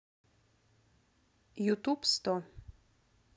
ютуб сто